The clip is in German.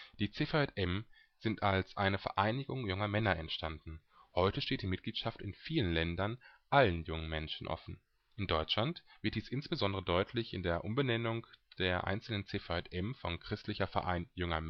Die CVJM sind als eine Vereinigung junger Männer entstanden. Heute steht die Mitgliedschaft in vielen Ländern allen jungen Menschen offen. In Deutschland wird dies insbesondere deutlich in der Umbenennung der einzelnen CVJM von „ Christlicher Verein Junger